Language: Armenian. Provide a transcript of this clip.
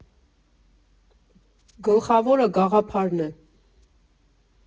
Գլխավորը գաղափարն է։